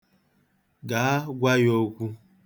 Gaa, gwa ya okwu.